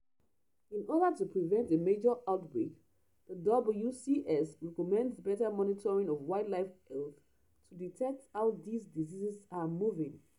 In order to prevent a major outbreak, the WCS recommends better monitoring of wildlife health to help detect how these diseases are moving.